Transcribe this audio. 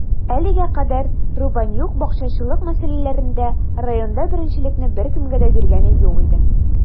Әлегә кадәр Рубанюк бакчачылык мәсьәләләрендә районда беренчелекне беркемгә дә биргәне юк иде.